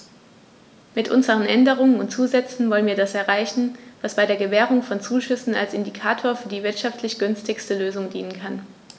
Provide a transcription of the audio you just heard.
Mit unseren Änderungen und Zusätzen wollen wir das erreichen, was bei der Gewährung von Zuschüssen als Indikator für die wirtschaftlich günstigste Lösung dienen kann.